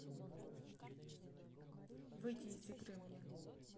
выйди из игры мне